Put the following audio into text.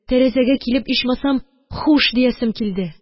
Тәрәзәгә килеп, ичмасам, «Хуш!» диясем килде.